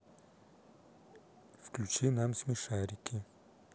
включи нам смешарики